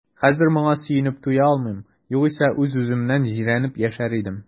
Хәзер моңа сөенеп туя алмыйм, югыйсә үз-үземнән җирәнеп яшәр идем.